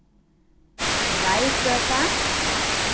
reiðgøta